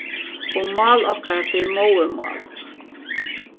og mál okkara fyri móðurmál